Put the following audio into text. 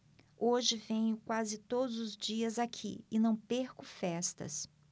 hoje venho quase todos os dias aqui e não perco festas